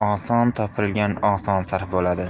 oson topilgan oson sarf bo'ladi